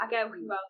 Ag ewch i weld